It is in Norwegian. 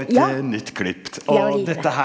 ja ja vi gjør det.